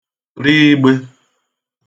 rị igbē